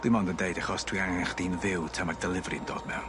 Dim ond yn deud achos dwi angen chdi'n fyw tan ma' delivery'n dod mewn.